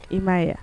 I m'a yan